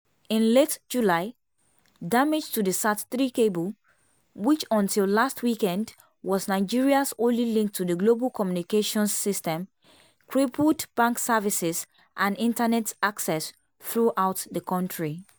In late July, damage to the SAT-3 cable — which until last weekend was Nigeria's only link to the global communications system — crippled bank services and Internet access throughout the country.